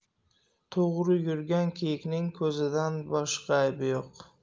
to'g'ri yurgan kiyikning ko'zidan boshqa aybi yo'q